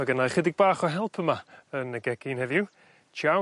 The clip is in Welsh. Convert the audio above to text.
ma' gynnai ychydig bach o helpu yma yn y gegin heddiw. Ciao...